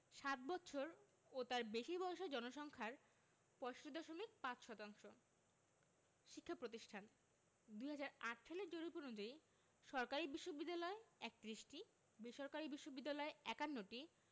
সাত বৎসর ও তার বেশি বয়সের জনসংখ্যার ৬৫.৫ শতাংশ শিক্ষাপ্রতিষ্ঠানঃ ২০০৮ সালের জরিপ অনুযায়ী সরকারি বিশ্ববিদ্যালয় ৩১টি বেসরকারি বিশ্ববিদ্যালয় ৫১টি